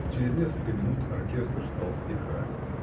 Через несколько минут оркестр стал стихать.